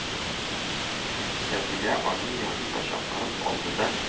Сатирә аны янына чакырып алды да: